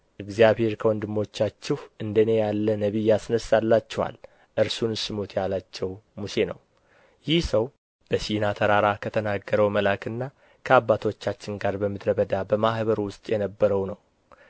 እግዚአብሔር ከወንድሞቻችሁ እንደ እኔ ያለ ነቢይ ያስነሣላችኋል እርሱን ስሙት ያላቸው ሙሴ ነው ይህ ሰው በሲና ተራራ ከተናገረው መልአክና ከአባቶቻችን ጋር በምድረ በዳ በማኅበሩ ውስጥ የነበረው ነው